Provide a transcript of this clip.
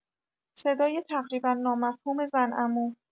صدای تقریبا نامفهوم زن عمو